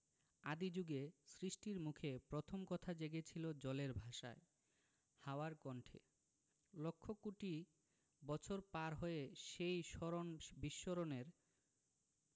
আদি জুগে সৃষ্টির মুখে প্রথম কথা জেগেছিল জলের ভাষায় হাওয়ার কণ্ঠে লক্ষ কোটি বছর পার হয়ে সেই স্মরণ বিস্মরণের